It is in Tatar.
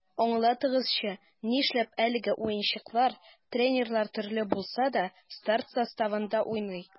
Аңлатыгызчы, нишләп әлеге уенчылар, тренерлар төрле булса да, старт составында уйный?